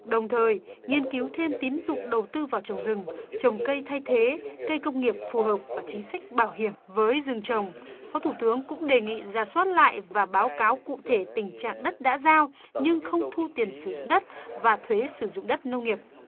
đồng thời nghiên cứu thêm tín dụng đầu tư vào trồng rừng trồng cây thay thế cây công nghiệp phù hợp và chính sách bảo hiểm với rừng trồng phó thủ tướng cũng đề nghị rà soát lại và báo cáo cụ thể tình trạng đất đã giao nhưng không thu tiền sử dụng đất và thuế sử dụng đất nông nghiệp